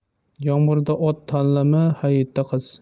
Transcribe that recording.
yomg'irda ot tanlama hayitda qiz